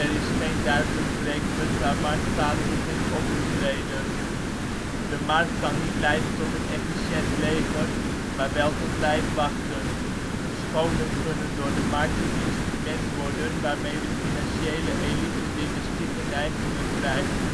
is geen duidelijk breekpunt, waar marktfalen begint op te treden. De markt kan niet leiden tot een efficiënt leger, maar wel tot lijfwachten. Scholen kunnen door de markt een instrument worden waarmee de financiële elite dynastieke neigingen krijgt